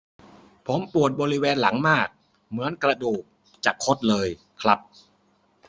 ผมปวดบริเวณหลังมากเหมือนกระดูกจะคดเลยครับ